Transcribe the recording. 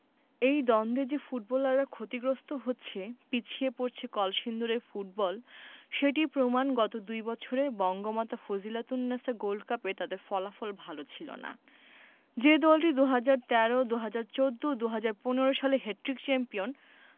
এই দ্বন্দ্বে যে ফুটবলাররা ক্ষতিগ্রস্ত হচ্ছে পিছিয়ে পড়ছে কলসিন্দুরের ফুটবল সেটির প্রমাণ গত দুই বছরে বঙ্গমাতা ফজিলাতুন্নেছা গোল্ড কাপে তাদের ফলাফল ভালো ছিল না যে দলটি ২০১৩ ২০১৪ ও ২০১৫ সালে হ্যাটট্রিক চ্যাম্পিয়ন